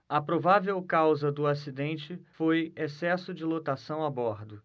a provável causa do acidente foi excesso de lotação a bordo